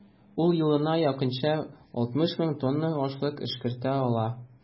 Ул елына якынча 60 мең тонна ашлык эшкәртә ала.